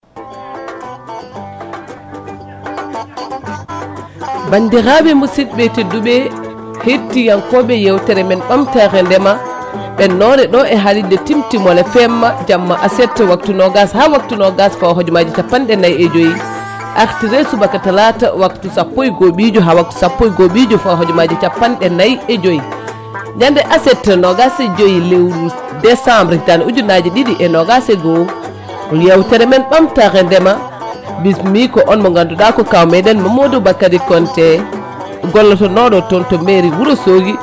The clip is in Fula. bandiraɓe musidɓe tedduɓe hettiyankoɓe yewtere men ɓamtare ndeema ɓennore ɗo e haalirde Timtimol FM jamma aset waptu nogas ha waptu pawɗo hojomaji capanɗe nayyi e jooyi artire artire subaka talata waktu sappo e goho ɓiijo ha waktu sappo e goho ɓiijo fawa hojomaji capanɗe nayyi e joyyi ñande aset nogas joyyi lewru décembre hitande ujunnaje ɗiɗi et nogas e goho yewtere men ɓamatare ndeema bismi ko on mo ganduɗa ko kaw meɗen Mamadou Bakary Konte gollotonoɗo toon to to mairie Wourossogui